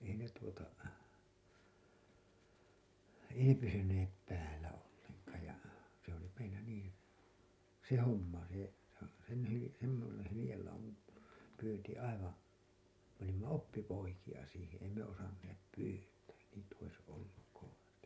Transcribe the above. ei ne tuota ei ne pysyneet päällä ollenkaan ja se oli meillä niin se homma se sen - semmoisen hyljelauman pyynti aivan me olimme oppipoikia siihen ei me osanneet pyytää niitä olisi ollut kovasti